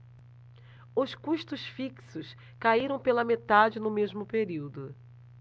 os custos fixos caíram pela metade no mesmo período